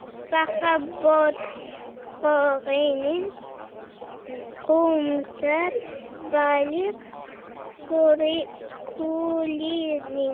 baqa botqog'ini qo'msar baliq ko'lini